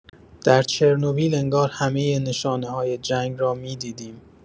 در چرنوبیل انگار همۀ نشانه‌های جنگ را می‌دیدیم.